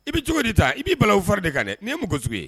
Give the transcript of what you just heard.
I bɛ cogo di ta i b'i balalaw o fari de kan dɛ nin' ye makotigi ye